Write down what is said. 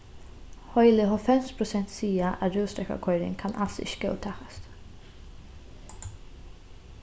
heili hálvfems prosent siga at rúsdrekkakoyring kann als ikki góðtakast